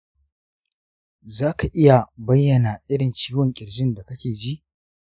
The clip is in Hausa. za ka iya bayyana irin ciwon ƙirjin da kake ji?